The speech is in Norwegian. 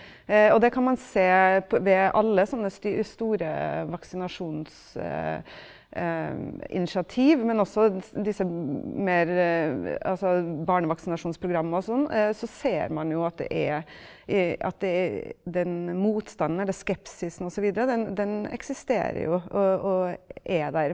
og det kan man se ved alle sånne store vaksinasjonsinitiativ, men også disse mere altså barnevaksinasjonsprogram og sånn så ser man jo at det er at det den motstanden eller skepsisen også videre, den den eksisterer jo og og er der.